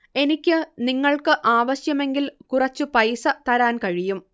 എനിക്ക് നിങ്ങൾക്ക് ആവശ്യമെങ്കില് കുറച്ചു പൈസ തരാൻ കഴിയും